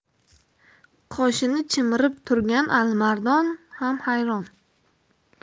qoshini chimirib turgan alimardon ham hayron